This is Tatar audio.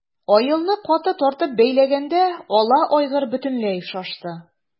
Аелны каты тартып бәйләгәндә ала айгыр бөтенләй шашты.